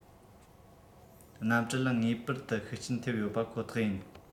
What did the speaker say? གནམ གྲུ ལ ངེས པར དུ ཤུགས རྐྱེན ཐེབས ཡོད པ ཁོ ཐག ཡིན